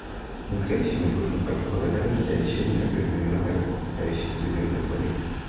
никто еще не слышал столько благодарностей и обещаний как экзаменатор ставящий студенты тройку